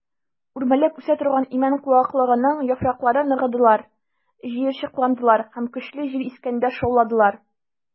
Үрмәләп үсә торган имән куаклыгының яфраклары ныгыдылар, җыерчыкландылар һәм көчле җил искәндә шауладылар.